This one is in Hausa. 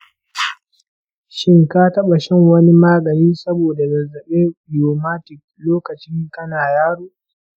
shin ka taɓa shan wani magani saboda zazzaɓin rheumatic lokacin kana yaro?